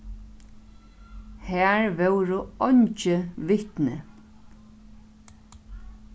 har vóru eingi vitni